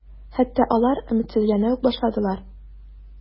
Хәтта алар өметсезләнә үк башладылар.